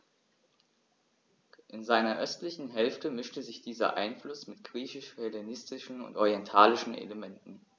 In seiner östlichen Hälfte mischte sich dieser Einfluss mit griechisch-hellenistischen und orientalischen Elementen.